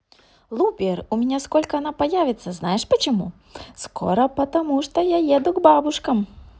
looper у меня сколько она появится знаешь почему скоро потому что я поеду к бабушкам